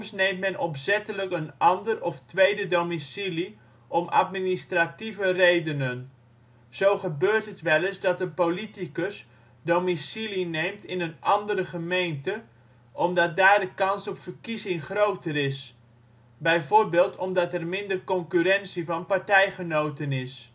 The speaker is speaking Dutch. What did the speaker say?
neemt men opzettelijk een andere of tweede domicilie om administratieve redenen. Zo gebeurt het wel eens dat een politicus domicilie neemt in een andere gemeente, omdat daar de kans op verkiezing groter is, bijvoorbeeld omdat er minder concurrentie van partijgenoten is